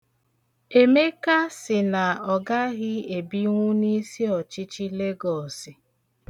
Emeka sị na ọ gaghị ebinwu n'isiọchịchị Legọọsị.